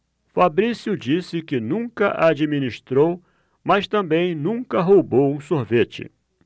fabrício disse que nunca administrou mas também nunca roubou um sorvete